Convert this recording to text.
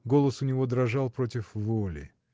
Голос у него дрожал против воли.